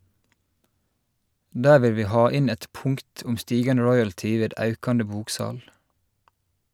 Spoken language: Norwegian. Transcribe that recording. Der vil vi ha inn eit punkt om stigande royalty ved aukande boksal.